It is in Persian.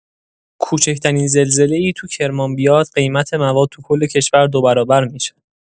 کوچکترین زلزله‌ای تو کرمان بیاد، قیمت مواد تو کل کشور دو برابر می‌شه!